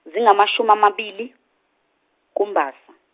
zingamashumi amabili kuMbasa.